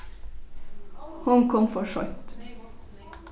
hon kom for seint